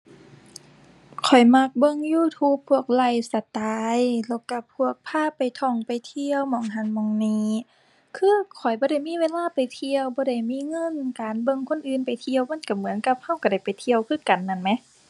ข้อยมักเบิ่ง YouTube พวกไลฟ์สไตล์ แล้วก็พวกพาไปท่องไปเที่ยวหม้องหั้นหม้องนี่ คือข้อยบ่ได้มีเวลาไปเที่ยว บ่ได้มีเงิน การเบิ่งคนอื่นไปเที่ยวมันก็เหมือนกับก็ก็ได้ไปเที่ยวคือกันนั้นแหม